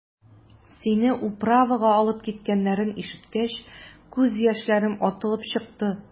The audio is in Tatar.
Сине «управа»га алып киткәннәрен ишеткәч, күз яшьләрем атылып чыкты.